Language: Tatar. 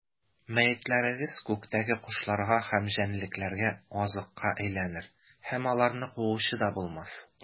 Мәетләрегез күктәге кошларга һәм җәнлекләргә азыкка әйләнер, һәм аларны куучы да булмас.